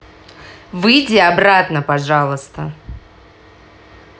выйди обратно пожалуйста